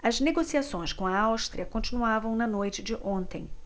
as negociações com a áustria continuavam na noite de ontem